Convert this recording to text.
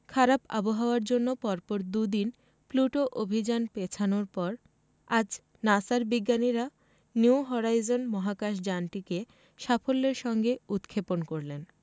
খারাপ আবহাওয়ার জন্য পর পর দুদিন প্লুটো অভি্যান পেছনোর পর আজ নাসার বিজ্ঞানীরা নিউ হরাইজন মহাকাশযানটিকে সাফল্যের সঙ্গে উৎক্ষেপণ করলেন